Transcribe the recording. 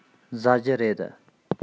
ཟ རྒྱུ རེད